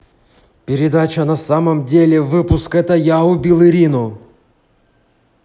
передача на самом деле выпуск это я убил ирину